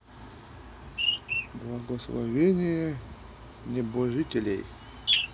благословение небожителей